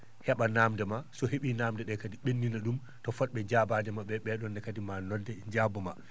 he?a naamnde ma so he?ii naamnde ?e kadi ?ennina ?um to fot?e jaabaade ma ?e ?e?onne kadi ma nodde jaaboma